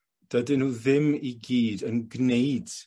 dydyn nw ddim i gyd yn gneud